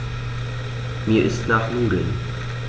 Mir ist nach Nudeln.